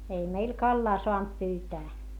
ei meillä kalaa saanut pyytää